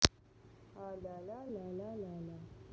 а ля ля ля ля ля ля